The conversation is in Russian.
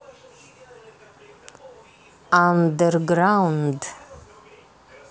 андерграунд